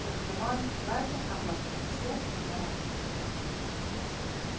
ehtimol barcha avlodlarimizga murojaat qilgan bo'larman